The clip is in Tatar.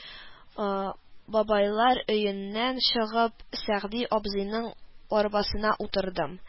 Бабайлар өеннән чыгып, Сәгъди абзыйның арбасына утырдым